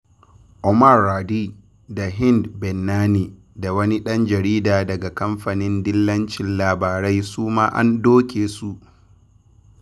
Omar Radi da Hind Bennani da wani ɗan jarida daga kamfanin dillacin labarai su ma an doke su.